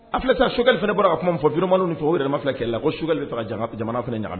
A filɛ sa Sogɛli bɔra ka kuma min fɔ videoman ni fɛnw u yɛrɛ dam filɛ kɛlɛ la ko Sogɛli bɛ fɛ ka jamana fana ɲagami